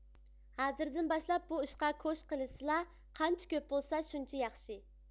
ھازىردىن باشلاپ بۇ ئىشقا كوش قىلىشسىلا قانچە كۆپ بولسا شۇنچە ياخشى